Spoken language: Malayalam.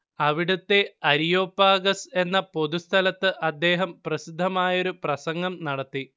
അവിടത്തെ അരിയോപാഗസ് എന്ന പൊതുസ്ഥലത്ത് അദ്ദേഹം പ്രസിദ്ധമായൊരു പ്രസംഗം നടത്തി